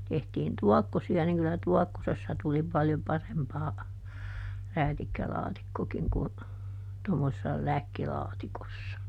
tehtiin tuokkosia niin kyllä tuokkosessa tuli paljon parempaa räätikkälaatikkokin kuin - tuommoisessa läkkilaatikossa